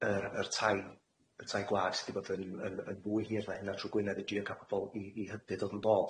yr yr tai y tai gwag sy 'di bod yn yn yn yn fwy hir na hynna trw Gwynedd i drio ca'l pobol i i hybu dod yn dôl.